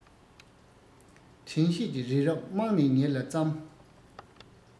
དྲན ཤེས ཀྱི རི རབ རྨང ནས ཉིལ ལ བརྩམས